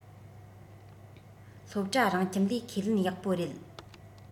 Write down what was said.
སློབ གྲྭ རང ཁྱིམ ལས ཁས ལེན ཡག པོ རེད